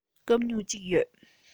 སྐམ སྨྱུག གཅིག ཡོད